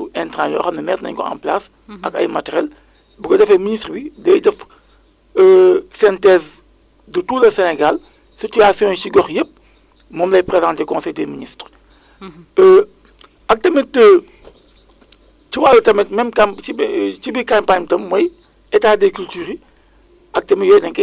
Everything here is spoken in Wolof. am na solo wax ji leer na desandi ak yow rek Maodo tey nag ban jàngat ngeen di def rek ci changement climatique yi bu nu rek demee rek ci li nga xamante ne moom mooy daaw li ñu